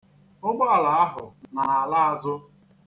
Ụgbọala ahụ na-ala azụ.